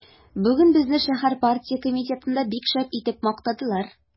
Бүген безне шәһәр партия комитетында бик шәп итеп мактадылар.